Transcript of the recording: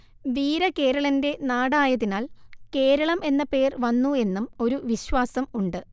വീരകേരളന്റെ നാടായതിനാൽ കേരളം എന്ന പേർ വന്നു എന്നും ഒരു വിശ്വാസം ഉണ്ട്